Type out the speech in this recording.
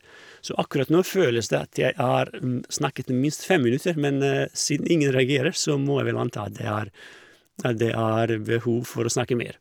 Så akkurat nå føles det at jeg har snakket i minst fem minutter, men siden ingen reagerer, så må jeg vel anta at det er at det er behov for å snakke mer.